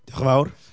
Diolch yn fawr...